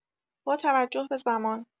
با توجه به زمان